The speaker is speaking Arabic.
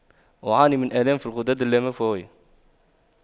أعاني من آلام في الغدد اللمفاوية